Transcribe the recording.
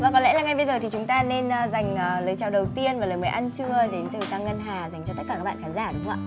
vâng có lẽ là ngay bây giờ thì chúng ta nên dành lời chào đầu tiên và lời mời ăn trưa đến từ tăng ngân hà dành cho tất cả các bạn khán giả đúng không ạ